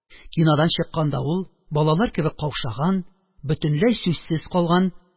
Кинодан чыкканда, ул балалар кебек каушаган, бөтенләй сүзсез калган,